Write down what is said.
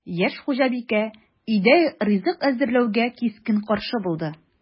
Яшь хуҗабикә өйдә ризык әзерләүгә кискен каршы булды: